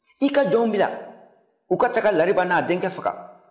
i ka jɔnw bila u ka taga lariba n'a denkɛ faga